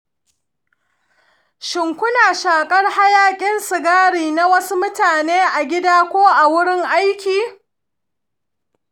shin kuna shakar hayakin sigari na wasu mutane a gida ko a wurin aiki?